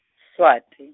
Swati.